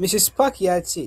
Mr Park ya ce,